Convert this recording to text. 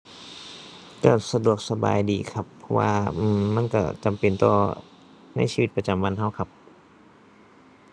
ก็สะดวกสบายดีครับ เพราะว่า อือ มันก็จำเป็นต่อในชีวิตประจำวันก็ครับ